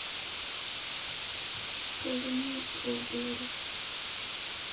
колдуны по белорусски